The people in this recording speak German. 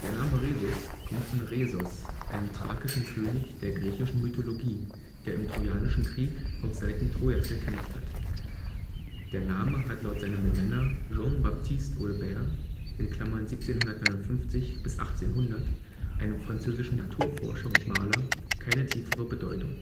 Name Rhesus kommt von Rhesos, einem thrakischen König der griechischen Mythologie, der im Trojanischen Krieg auf Seiten Trojas gekämpft hat. Der Name hat laut seinem Benenner, Jean Baptiste Audebert (1759 – 1800), einem französischen Naturforscher und Maler, keine tiefere Bedeutung